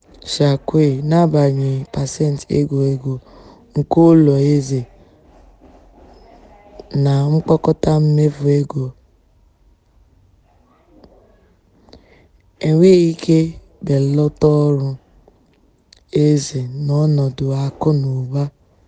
@charquaouia: N'agbanyeghị pasent ego ego nke ụlọ eze na mkpokọta mmefu ego, enweghị ike ibelata ọrụ eze na ọnọdụ akụ na ụba.